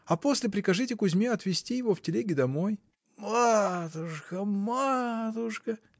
А после прикажите Кузьме отвезти его в телеге домой. — Матушка, матушка!